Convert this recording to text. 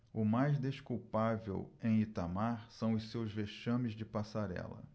o mais desculpável em itamar são os seus vexames de passarela